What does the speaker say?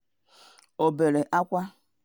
Ọ bere akwa”?””